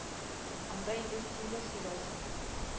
Анда инде син дә сөйләрсең